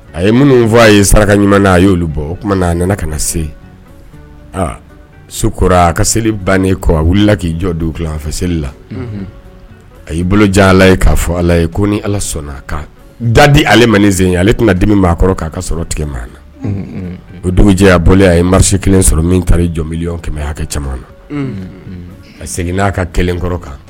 A ye minnu fɔ a ye saraka ɲuman na a y'olu bɔ oumana a nana ka na se a so kora a ka seli bannen kɔ a wulila k'i jɔ don kufɛ seli la a y'i bolo ja ala ye k'a fɔ ala ye ko ni ala sɔnna a ka da di ale ma sene ale tɛna dimi' aa kɔrɔ k' aa ka sɔrɔ tigɛ m na o dugujɛ a bolo a ye masi kelen sɔrɔ min ta jɔnb kɛmɛya kɛ caman na a seginna n'a ka kelen kɔrɔ kan